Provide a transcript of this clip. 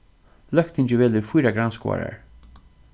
løgtingið velur fýra grannskoðarar